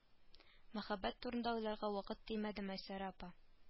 Мәхәббәт турында уйларга вакыт тимәде мәйсәрә апа